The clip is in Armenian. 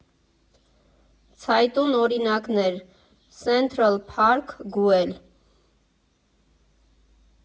Ցայտուն օրինակներ՝ Սենթրըլ Փարք, Գուել։